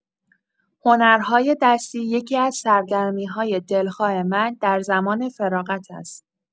هنرهای دستی یکی‌از سرگرمی‌های دلخواه من در زمان فراغت است.